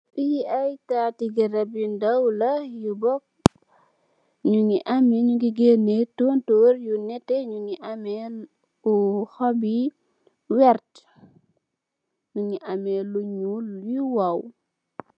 Fii ay taati garab yu ndaw la, ñu ngi amee ay toontor, yu nétté, amee xobi, werta, mu ngi amee yu ñuul yu wow.